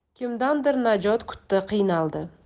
kimdandir najot kutdi qiynaldi